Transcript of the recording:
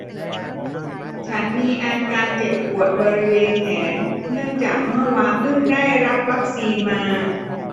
ฉันมีอาการเจ็บปวดบริเวณแขนเนื่องจากเมื่อวานพึ่งได้รับวัคซีนมา